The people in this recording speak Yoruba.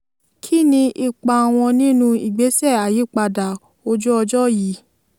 Kínni ipa wọn nínú ìgbésẹ̀ àyípadà ojú-ọjọ́ yìí?